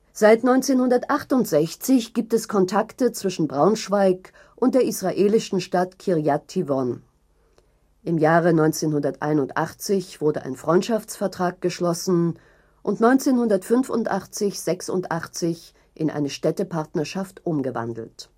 Seit 1968 gibt es Kontakte zwischen Braunschweig und der israelischen Stadt Kiryat Tivon. Im Jahre 1981 wurde ein Freundschaftsvertrag geschlossen und 1985 / 86 in eine Städtepartnerschaft umgewandelt